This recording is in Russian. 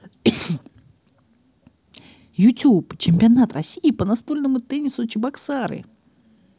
youtube чемпионат россии по настольному теннису чебоксары